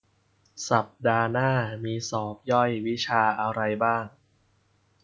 สัปดาห์หน้ามีสอบย่อยวิชาอะไรบ้าง